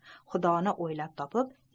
xudoni oylab topib